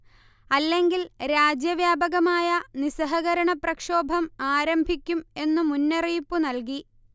അല്ലെങ്കിൽ രാജ്യവ്യാപകമായ നിസ്സഹകരണ പ്രക്ഷോഭം ആരംഭിക്കും എന്നു മുന്നറിയിപ്പുനൽകി